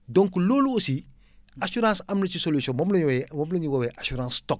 donc loolu aussi assurance am na si solution moom la ñuy woowee moom la ñuy woowee assurance stock